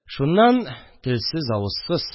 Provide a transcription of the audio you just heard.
Шуннан – телсез-авызсыз